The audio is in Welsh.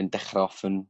yn dechra off yn